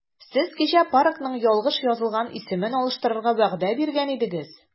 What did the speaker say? Сез кичә паркның ялгыш язылган исемен алыштырырга вәгъдә биргән идегез.